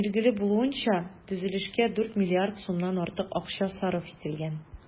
Билгеле булуынча, төзелешкә 4 миллиард сумнан артык акча сарыф ителгән.